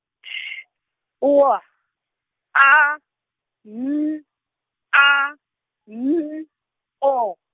X W A N A N O.